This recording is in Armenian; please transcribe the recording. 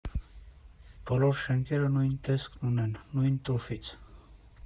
Բոլոր շենքերը նույն տեսքն ունեն՝ նույն տուֆից։